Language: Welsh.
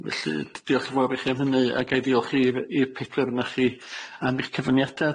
Felly d- diolch yn fawr i chi am hynny, a ga i ddiolch i'r i'r pedwar 'nach chi am eich cyfraniada',